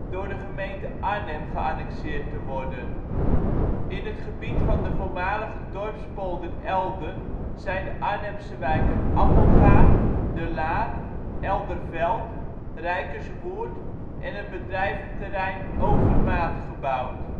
door de gemeente Arnhem geannexeerd te worden. In het gebied van de voormalige dorpspolder Elden zijn de Arnhemse wijken Appelgaard, De Laar, Elderveld, Rijkerswoerd, en het bedrijventerrein Overmaat gebouwd